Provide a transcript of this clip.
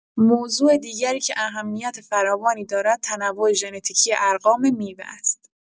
موضوع دیگری که اهمیت فراوانی دارد، تنوع ژنتیکی ارقام میوه است.